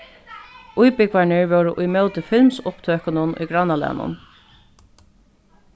íbúgvarnir vóru ímóti filmsupptøkunum í grannalagnum